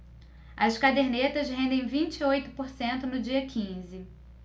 as cadernetas rendem vinte e oito por cento no dia quinze